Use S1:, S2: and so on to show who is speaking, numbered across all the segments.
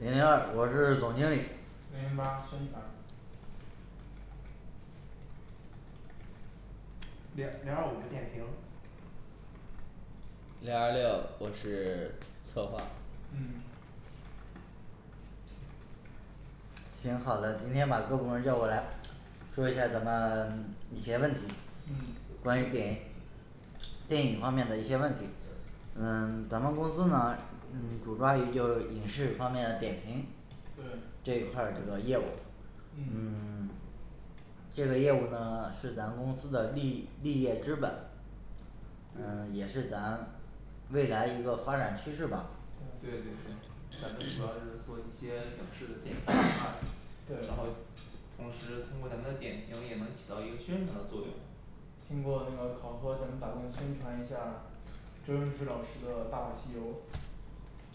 S1: 零零二我是总经理
S2: 零零八宣传
S3: 零零二五我是点评
S4: 零二六我是策划
S2: 嗯
S1: 行好的今天把各部门儿叫过来说一下儿咱们 一些问题
S2: 嗯
S1: 关于点电影方面的一些问题
S2: 对
S1: 呃咱们公司呢嗯主抓于就是影视方面的点评
S2: 对
S1: 这一块儿这个业务
S2: 嗯
S1: 嗯 这个业务呢是咱公司的立立业之本嗯
S2: 对
S1: 也是咱 未来一个发展趋势吧
S3: 对对
S2: 对
S3: 对咱们主要就是做一些影视的点评啊 然后
S2: 对
S3: 同时通过咱们的点评也能起到一个宣传的作用
S2: 经过那个考核咱们打算宣传一下儿周星驰老师的大话西游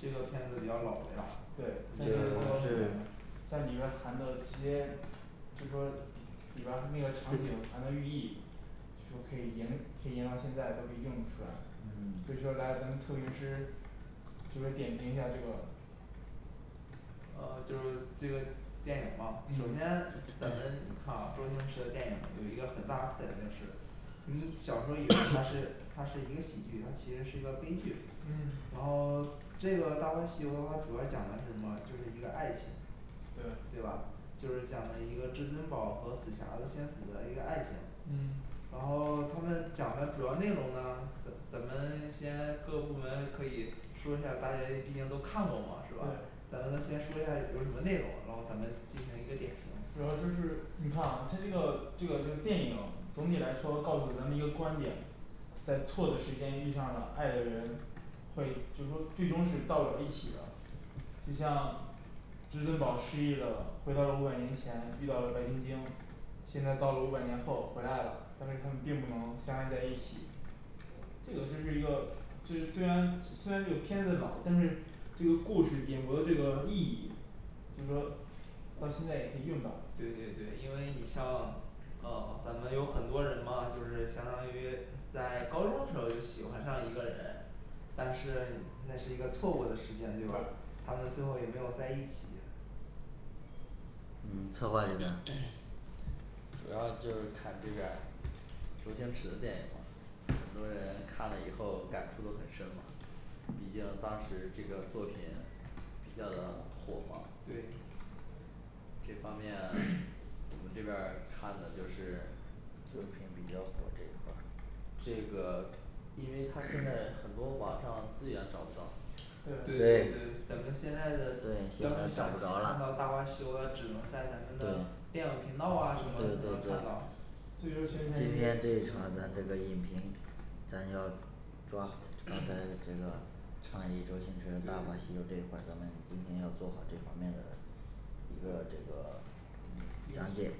S3: 这个片子比较老了呀
S2: 对，
S1: 你
S2: 但
S1: 这
S2: 是
S1: 个不
S2: 说
S1: 是
S2: 但里边儿含的这些就说里边儿它那个场景含的寓意就是可以沿可以沿到现在都可以用的出来所以
S1: 嗯
S2: 说来咱们测评师就说点评一下这个
S3: 呃就是这个电影嘛首先
S2: 嗯
S3: 咱们你看啊周星驰的电影有一个很大特点就是你小时候儿以为它 是它是一个喜剧它其实是一个悲剧
S2: 嗯
S3: 然后这个大话西游的话主要讲的是什么就是一个爱情
S2: 对
S3: 对吧就是讲的一个至尊宝儿和紫霞的仙子的一个爱情
S2: 嗯
S3: 然后他们讲的主要内容呢咱咱们先各个部门可以说一下大家也毕竟都看过嘛是吧
S2: 对
S3: 咱们都先说一下儿有什么内容然后咱们进行一个点评
S2: 主要就是你看啊它这个这个就是电影总体来说告诉咱们一个观点在错的时间遇上了爱的人会就是说最终是到不了一起的就像至尊宝失忆了回到了五百年前遇到了白晶晶现在到了五百年后回来了但是他们并不能相爱在一起这个就是一个就是虽然虽虽然这个片子老但是这个故事点播这个意义 就是说 到现在也可以用到
S3: 对对对因为你像呃咱们有很多人嘛就是相当于在高中的时候儿就喜欢上一个人但是那是一个错误的时间对吧
S2: 对
S3: 他们最后也没有在一起
S1: 嗯，策划这边儿
S4: 主要就是看这边儿周星驰的电影儿嘛很多人看了以后感触都很深嘛毕竟当时这个作品比较的火嘛
S3: 对
S4: 这方面 我们这边儿看的就是
S1: 作品比较火这一块儿
S4: 这个因为它现在很多网上资源找不到
S3: 对对
S2: 对
S3: 对咱们现
S1: 对
S3: 在的
S1: 现
S3: 要是
S1: 在找
S3: 想
S1: 不着
S3: 看
S1: 了
S3: 到大话西游咱只能在咱们的
S1: 对
S3: 电影频道啊什么的
S1: 对
S3: 才
S1: 对
S3: 能看
S1: 对
S3: 到
S2: 所以说现在
S1: 今
S2: 一些
S1: 天这场咱这个影评咱要抓好刚才这个差一个周星驰的大话西
S3: 对
S1: 游
S3: 对对
S1: 这一块儿咱们今天要做好这方面的人儿一个这个
S2: 一个
S1: 讲
S2: 西
S1: 解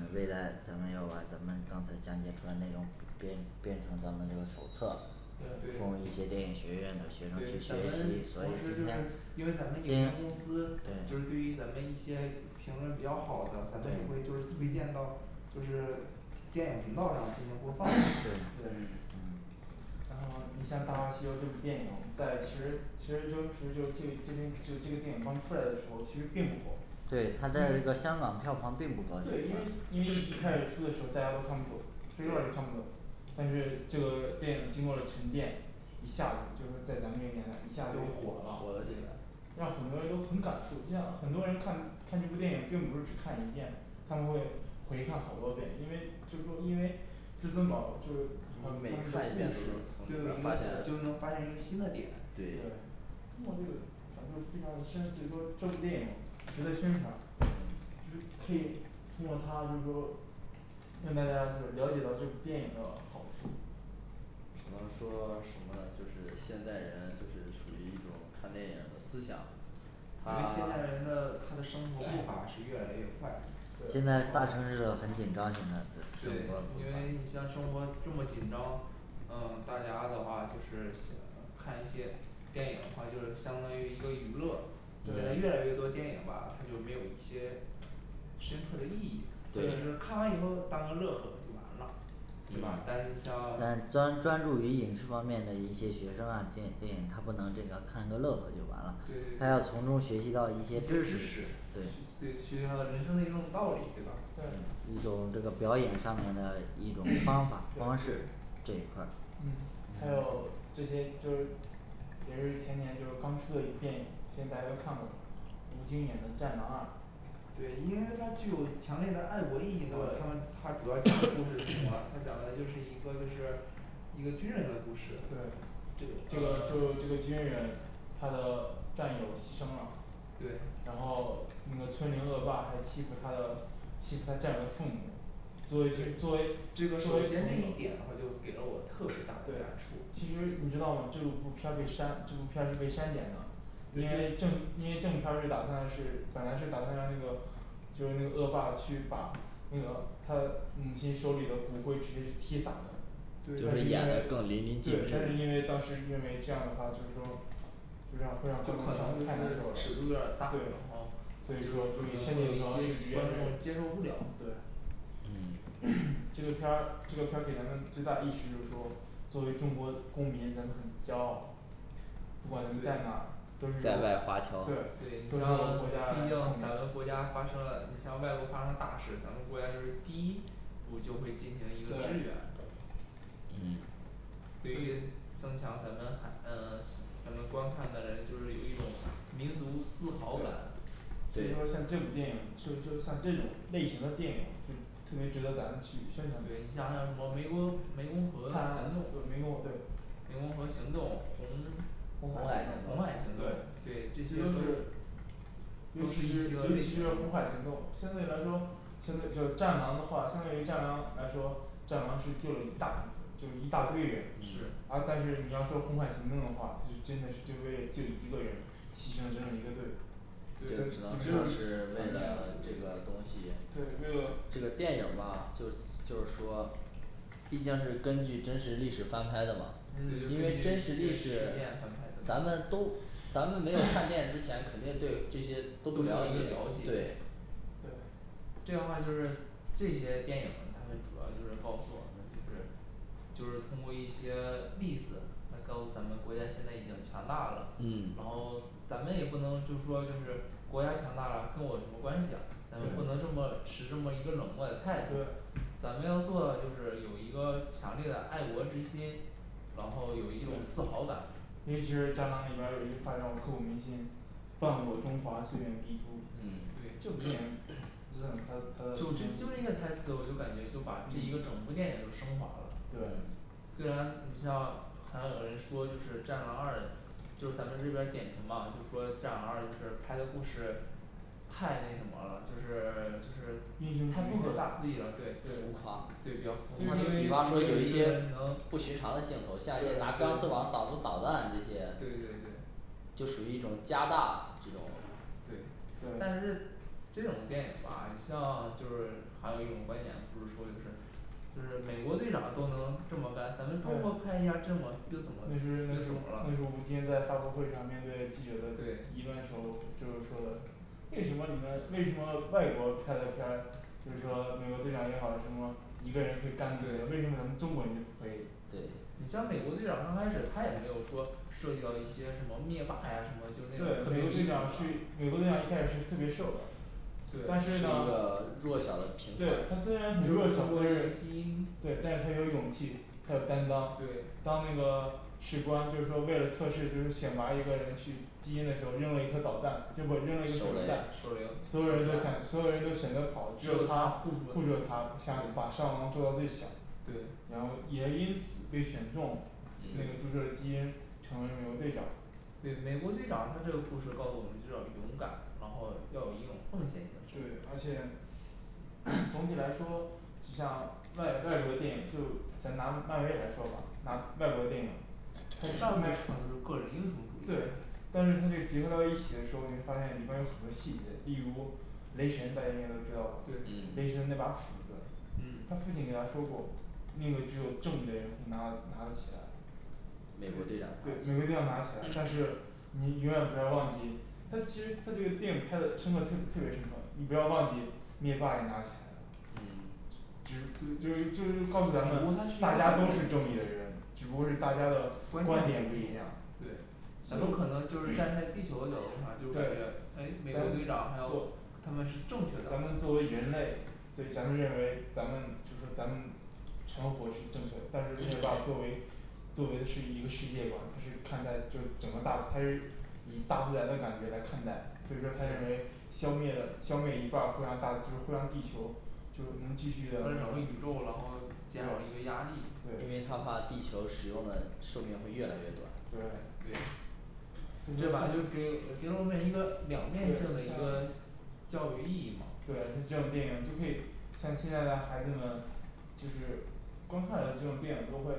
S2: 嗯
S1: 未来咱们要把咱们刚才讲解出来的内容编编成咱们这个手册
S2: 对
S1: 供
S3: 对
S1: 一些电影学院
S3: 对咱们同时就是
S1: 的学生去学习，所以今天
S3: 因
S1: 今
S3: 为咱们影
S1: 天
S3: 评公司就是对
S1: 对
S3: 于咱们一些评论比较好的咱们也会
S1: 对
S3: 就是推荐
S2: 嗯
S3: 到就是电影频道上进行播放
S4: 对
S1: 嗯
S2: 对然后你像大话西游这部电影在其实其实当时就是这个这篇就这个电影刚出来的时候其实并不火因
S1: 对
S2: 为
S1: 它在那个香港票房并不高这
S4: 对
S1: 一块
S4: 因为
S2: 因为
S1: 儿
S2: 一一开始出的时候大家都看不懂学校也看不懂但是这个电影经过了沉淀一下子就说在咱们这个年代一下子就火了
S4: 火了起
S3: 对
S4: 来
S2: 让很多人都很感触就像很多人看看这部电影并不是只看一遍他们会回看好多遍因为就是说因为至尊宝就是嗯他
S4: 他们
S2: 们
S4: 每
S2: 的
S4: 看一遍都能
S2: 故事
S4: 从
S3: 就
S4: 里
S3: 有
S4: 边儿
S3: 一
S4: 发
S3: 个就能
S4: 现
S3: 发现一个新的点对
S4: 对
S2: 通过这个咱们就非常的深就是说这部电影值得欣赏就是可以通过它就是说让大家就是了解到这部电影的好处
S4: 比方说什么呢就是现代人就是属于一种看电影儿的思想
S3: 因为
S4: 他
S3: 现代 人的他的生活步伐是越来越快
S2: 对，
S1: 现
S2: 然
S1: 在大城市的
S2: 后
S1: 很紧张现在的生
S3: 对
S1: 活步
S3: 因为你像
S1: 伐
S3: 生活这么紧张嗯大家的话就是想看一些电影的话就是相当于一个娱乐现在
S2: 对
S3: 越来越多电影吧它就没有一些深刻的意义他就是
S2: 对
S3: 看完以后当个乐呵儿就完了
S4: 对吧但是你
S1: 嗯咱
S4: 像
S1: 专专注于影视方面的一些学生啊电电影他不能这个看个乐呵就完了
S2: 对
S1: 他
S2: 对
S1: 要
S2: 对
S1: 从中学习到一
S2: 一些
S1: 些
S2: 知
S1: 知识
S2: 识
S3: 学
S1: 对
S3: 对学习到人生的一种道理对吧
S4: 对
S1: 一种这个表演上面的一种方法方式
S3: 对
S1: 这一块儿
S2: 嗯还
S1: 嗯
S2: 有这些这些也是前年就是刚出的一部电影相信大家都看过了吴京演的战狼二
S3: 对因为它具有强烈的爱国意义嘛它
S2: 对
S3: 们它主要讲的 故事是什么他讲的就是一个就是一个军人的故事
S4: 对
S2: 这
S3: 这个
S2: 个
S3: 呃
S2: 就这个军人他的战友儿牺牲了
S3: 对
S2: 然后那个村民恶霸还欺负他的欺负他战友的父母作为这作为
S3: 这个
S2: 作
S3: 首
S2: 为
S3: 先这一
S2: 朋友
S3: 点的话就是给了我特别大的感
S2: 对
S3: 触
S2: 其实你知道吗这部片儿被删这部片儿是被删减的因为正因为正片儿是打算是本来是打算让那个就是那个恶霸去把那个他的 母亲手里的骨灰直接去踢洒的对
S4: 就
S2: 但是
S4: 是
S2: 因
S4: 演的
S2: 为
S4: 更淋漓尽
S2: 对但是
S4: 致
S2: 因为当时认为这样的话就是说这样
S3: 就可能就是
S2: 会让他们家属太难
S3: 尺度有
S2: 受
S3: 点儿大
S2: 了对
S3: 然后
S2: 所以说就是先
S3: 让观众接受不了
S2: 对
S1: 嗯
S2: 这个片儿这个片儿给咱们最大益处就是说作为中国公民咱们很骄傲不管咱们在
S4: 对
S2: 哪都是
S4: 在
S2: 由
S4: 外华侨
S2: 对
S3: 对，
S2: 都
S3: 你
S2: 是由
S3: 像
S2: 国
S3: 毕竟
S2: 家
S3: 咱们
S2: 出兵
S3: 国家发生了你像外国发生大事咱们国家就是第一步就会进行一个支
S2: 对
S3: 援
S4: 嗯
S3: 对
S2: 对于
S3: 于增强咱们海 嗯咱们观看的人就是有一种民族自豪感
S2: 对所以说
S4: 对
S2: 像这部电影所以说像这种类型的电影就是特别值得咱们去宣传的
S3: 对你像还有什么湄公湄公河
S2: 探案
S3: 行动
S2: 对湄公对
S3: 湄公河行动红
S1: 红
S3: 红海
S1: 海行动
S3: 行动
S2: 对
S3: 对这
S2: 这
S3: 些都
S2: 都是
S3: 都
S2: 尤
S3: 是
S2: 其
S3: 一
S2: 是
S3: 个
S2: 尤
S3: 类
S2: 其
S3: 型
S2: 是
S3: 儿
S2: 红海行动相对来说现在就战狼的话相对于战狼来说战狼是救了一大部分就是一大堆人
S3: 是
S1: 嗯
S2: 而但是你要说红海行动的话真的是就是为了救一个人牺牲了整整一个队这个这
S4: 这个就
S2: 个是，
S4: 是
S2: 场
S4: 为
S2: 景
S4: 了这个东西
S2: 对，为
S4: 这
S2: 了
S4: 个电影儿吧就是就是说毕竟是根据真实历史翻拍的嘛因
S2: 嗯
S4: 为
S3: 嗯
S4: 真
S3: 真
S4: 实
S3: 实历
S4: 历
S3: 史事
S4: 史
S3: 件
S4: 咱
S3: 翻拍的
S4: 们都咱们没有看电影之前肯定对这些都
S3: 都
S4: 不
S3: 没有
S4: 了
S3: 一
S4: 解
S3: 个了解
S4: 对
S2: 对
S3: 这样的话就是这些电影他们主要就是告诉我们就是，就是通过一些例子来告诉咱们国家现在已经强大了
S4: 嗯
S3: 然后咱们也不能就是说就是国家强大了跟我有什么关系呀咱们不能
S2: 对
S3: 这么持这么一个冷漠的态度
S2: 对
S3: 咱们要做的就是有一个强烈的爱国之心然后有一种自
S2: 对
S3: 豪感
S2: 尤其是战狼里边儿有一句话儿让我刻骨铭心犯我中华虽远必诛
S3: 对
S1: 嗯
S2: 这
S3: 政府
S2: 部儿
S3: 部
S2: 电
S3: 门
S2: 影资产它的它的生
S3: 就这
S2: 产
S3: 就
S2: 意
S3: 一个台
S2: 义
S3: 词我就感觉就把这一个整
S2: 嗯
S3: 部电影就升华了
S2: 对
S3: 虽然你像还有的人说就是战狼二就是咱们这边儿点评嘛就说战狼二就是拍的故事太那什么了就是就是
S2: 英雄主
S3: 太不
S2: 义
S3: 可
S2: 自大
S3: 思议了对，对
S4: 对，枯乏
S3: 比较
S2: 所
S3: 浮夸他因为
S2: 以
S3: 因
S2: 说
S3: 为
S2: 有
S3: 有
S2: 一
S3: 一
S2: 些
S3: 个能
S4: 不寻常的镜头像一些拿
S2: 对
S4: 钢丝
S3: 对
S4: 网挡住导弹这
S3: 对
S4: 些
S3: 对对
S4: 就属于一种加大这种对
S3: 但
S2: 对
S3: 是这种电影吧你像就是，还有一种观点不是说就是就是美国队长都能这么干咱们中国
S2: 对
S3: 拍一下这么又
S2: 那是
S3: 怎么
S2: 那
S3: 又
S2: 是
S3: 怎么了
S2: 那是吴京在发布会上面对记者的
S3: 对
S2: 疑问的时候儿就是说的为什么你们为什么外国拍的片儿就是说美国队长也好什么一个人可以干那么多
S3: 对
S2: 为什么咱中国人就不可以
S3: 你
S4: 对
S3: 像美国队长刚开始他也没有说涉及到一些什么灭霸呀什么就那种特
S2: 对
S3: 别
S2: 美国队
S3: 勇敢
S2: 长
S3: 的
S2: 是美国队长一开始是特别瘦的
S4: 对
S2: 但
S4: 是
S2: 是
S4: 一
S2: 呢
S4: 个弱小的平凡人
S2: 对，他
S4: 但
S2: 虽
S4: 是
S2: 然很弱小
S4: 他，那
S2: 但
S4: 个
S2: 是
S4: 基因
S2: 对但是他有勇气他有担当
S3: 对
S2: 当那个士官就是说为了测试就是选拔一个人去基因的时候扔了一颗导弹结
S4: 手
S2: 果扔了一颗手榴
S4: 雷
S2: 弹
S3: 手榴手
S2: 所有
S3: 榴
S2: 人都想
S3: 弹
S2: 所有人都选择跑只
S3: 只
S2: 有
S3: 有他
S2: 他
S3: 护
S2: 护
S3: 住
S2: 住
S3: 了
S2: 了它
S3: 它
S2: 下面把伤亡做到最小然
S3: 对
S2: 后也因此被选中那个
S3: 是
S2: 注射基因成为美国队长
S3: 对美国队长他这个故事告诉我们就要勇敢然后要有一种奉献精
S2: 对
S3: 神
S2: 而且 总体来说就像外外国的电影就咱拿漫威来说吧拿外国的电影
S3: 他
S2: 他他
S3: 上半场就是个人英雄主义
S2: 对但是他这结合到一起的时候儿你会发现里边儿有很多细节例如雷神大家应该都知道吧
S3: 对
S2: 雷
S4: 嗯
S2: 神那把斧子他
S4: 嗯
S2: 父亲给他说过那个只有正义的人可以拿得拿得起来
S4: 美国队长
S2: 对美国队长拿
S4: 拿起来了
S2: 起来但是你永远不要忘记他其实这个电影拍得深刻特别深刻你不要忘记灭霸也拿起来了
S4: 嗯
S2: 只
S3: 对
S2: 就是就是就是告
S3: 只不过他
S2: 诉咱们大家都
S3: 是一
S2: 是
S3: 个中年的
S2: 正义的人只不过是大家的观
S3: 观念
S2: 点
S3: 不
S2: 不一
S3: 一样
S2: 样，
S3: 对咱们可能
S2: 具有
S3: 就是站在地球的角度上就感觉
S2: 对
S3: 诶美国队
S2: 咱
S3: 长还
S2: 们
S3: 有
S2: 不
S3: 他们是正确的
S2: 咱们作为人类所以咱们认为咱们就是说咱们存活是正确的但是灭霸作为作为的是一个世界观他是看待就是整个大他是以大自然的感觉来看待所以说他认为
S3: 对
S2: 消灭了消灭一半儿忽然大就是忽然地球就是能
S3: 原来整
S2: 继续
S3: 个宇宙然后减少了一个压力
S4: 因为
S2: 对
S4: 他怕地球使用的寿命会越来越短
S2: 对
S3: 对
S2: 就
S3: 对
S2: 是它
S3: 吧就给
S2: 就
S3: 给我们一个两面性
S2: 对
S3: 的一个
S2: 它
S3: 教育意义嘛
S2: 对它这样的电影就可以像亲爱的孩子们就是观看了这种电影就会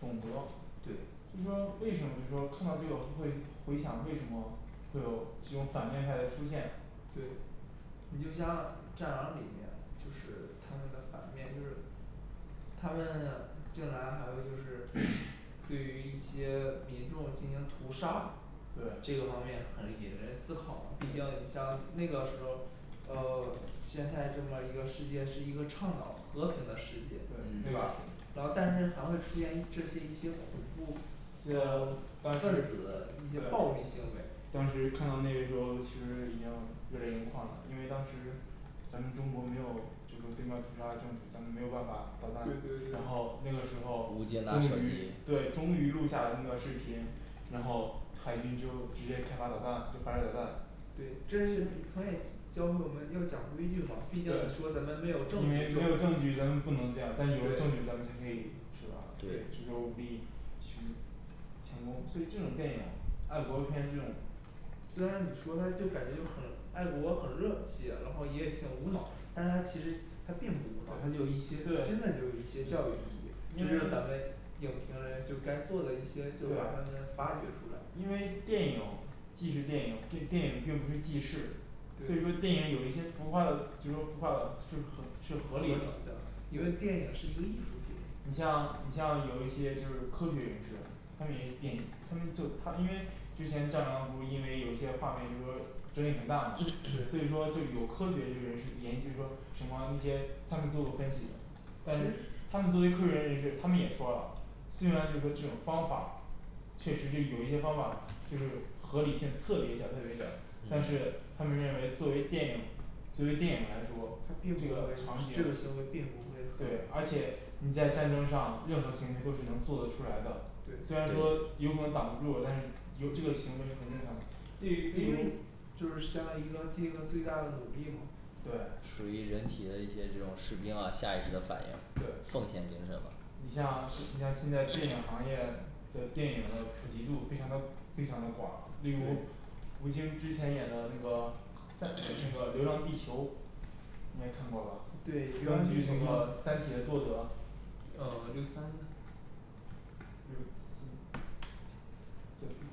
S2: 懂得
S3: 对
S2: 就说为什么就说看到这个他会回想为什么会有这种反面派的出现
S3: 对你就像战狼里面就是他们的反面就是，他们就拿还有就是 对于一些民众进行屠杀这
S2: 对
S3: 个方面很引人思考嘛毕竟你像那个时候儿呃现在这么一个世界是一个倡导和平的世界，对吧
S2: 对，
S3: 然后但
S4: 嗯是
S3: 是还会出现这些一些恐怖
S2: 对呀但
S3: 分
S2: 是
S3: 子一些暴力
S2: 对
S3: 行为
S2: 当时看到那些时候儿其实已经热泪盈眶了因为当时咱们中国没有就说对面屠杀的证据咱们没有办法导弹
S3: 对对
S2: 然
S3: 对
S2: 后那个时候
S4: 吴京拿
S2: 儿
S4: 手
S2: 终于
S4: 机
S2: 对终于录下了那段儿视频然后海军就直接开发导弹就发射导弹
S3: 对这其实
S2: 真
S3: 你可
S2: 实
S3: 以教教会我们要讲规矩嘛毕竟你
S2: 对
S3: 说咱们没
S2: 因为咱们没
S3: 有证据
S2: 有证据
S3: 就
S2: 咱们不能这样但是有了证
S3: 对
S2: 据咱们可以是吧，就
S4: 对
S2: 说我们可以去请功所以这种电影爱国片这种
S3: 虽然你说它就感觉很爱国很热血然后也挺无脑但是它其实它并不无脑，它有
S4: 对
S3: 一些它真
S2: 对
S3: 的就有一些教育意义这
S2: 因为
S3: 就是咱们影评人就该做的一些就
S2: 对呀
S3: 把它们发掘出来
S2: 因为电影既是电影既电影并不是纪实所以说
S3: 对
S2: 电影有一些浮夸的就是说浮夸的是合是
S3: 合
S2: 合理
S3: 理的
S2: 的，对
S3: 因为电影是一个艺术品
S2: 你像你像有一些就是科学人士他们也点他们就他因为之前战狼不是因为有一些画面就说争议很大嘛，所以
S3: 对
S2: 说就有科学就人士研制说什么那些他们做过分析的但是
S3: 真实
S2: 他们作为科研人士他们也说了虽然就是说这种方法确实是有一些方法就是合理性特别小特别小但是他们认为作为电影作为电影来说
S3: 它并不
S2: 这
S3: 会
S2: 个场景
S3: 这个行为并不会
S2: 对
S3: 很，
S2: 而且你在战争上任何行为都是能做的出来的虽
S3: 对
S2: 然说有可能挡不住但是有这个行动是很正常的，对于对
S3: 因为
S2: 于
S3: 就是相于一个尽一个最大的努力嘛
S2: 对
S4: 属于人体的一些这种士兵啊下意识的反应
S2: 对
S4: 奉献精神嘛
S2: 你像是 你像现在电影行业的电影的普及度非常的非常的广例如
S3: 对
S2: 吴京之前演的那个战咱们那个流浪地球你也看过吧
S3: 对流浪
S2: 根
S3: 地
S2: 据
S3: 球
S2: 那个三体的作者
S3: 呃六三
S2: 就吴京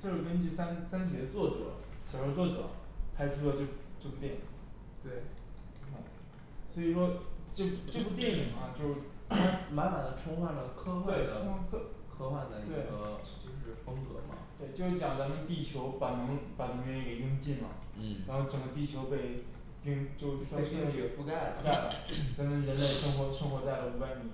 S2: 就就是根据，三三体的作者小说儿作者拍出了这这部电影
S3: 对好脑
S2: 所以说这这部电影啊就
S3: 它
S2: 对
S3: 满满的，充
S2: 充
S3: 幻
S2: 科，
S3: 了 科幻的科幻的一个
S2: 对
S3: 就是风格嘛
S2: 对就是讲咱们地球把能把能源给用尽了然后
S4: 嗯
S2: 整个地球被冰，就
S3: 被
S2: 被冰
S3: 冰雪
S2: 雪，
S3: 覆
S2: 覆
S3: 盖
S2: 盖
S3: 了
S2: 了，咱们人类生活生活在了五百米